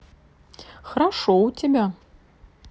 хорошо у тебя